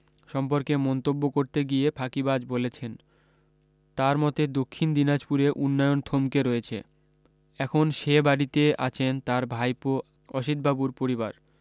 সম্পর্কে মন্তব্য করতে গিয়ে ফাঁকিবাজ বলেছেন তার মতে দক্ষিণ দিনাজপুরে উন্নয়ন থমকে রয়েছে এখন সে বাড়ীতে আছেন তার ভাইপো অসিতবাবুর পরিবার